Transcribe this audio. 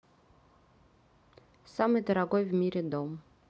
самый дорогой в мире дом